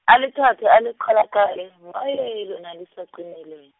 ali thathe aliqalaqale, maye lona lisaqinile.